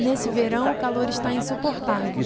nesse verão o calor está insuportável